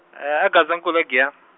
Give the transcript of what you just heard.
e Gazankulu e- Giyani.